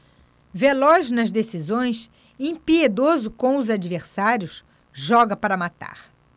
veloz nas decisões impiedoso com os adversários joga para matar